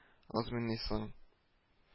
Азмыни соң